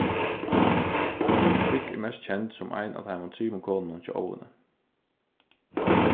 frigg er mest kend sum ein av teimum trimum konunum hjá óðini